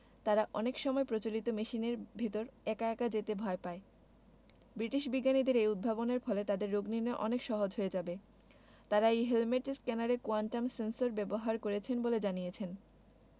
তারা অনেক সময় প্রচলিত মেশিনের ভেতর একা একা যেতে ভয় পায় ব্রিটিশ বিজ্ঞানীদের এই উদ্ভাবনের ফলে তাদের রোগনির্নয় অনেক সহজ হয়ে যাবে তারা এই হেলমেট স্ক্যানারে কোয়ান্টাম সেন্সর ব্যবহার করেছেন বলে জানিয়েছেন